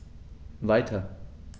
Weiter.